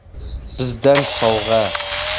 bizdan sovg'a